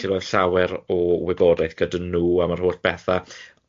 Felly roedd llawer o wybodaeth gyda nhw am yr holl betha